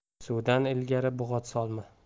suvdan ilgari bug'ot solma